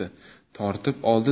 tortib oldi da